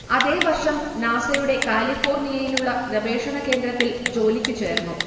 അതേ വർഷം നാസയുടെ കാലിഫോർണിയയിലുള്ള ഗവേഷണ കേന്ദ്രത്തിൽ ജോലിക്കു ചേർന്നു